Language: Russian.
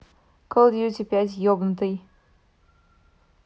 call duty пять ебанутый